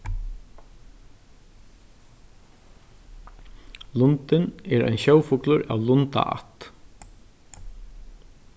lundin er ein sjófuglur av lundaætt